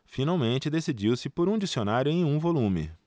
finalmente decidiu-se por um dicionário em um volume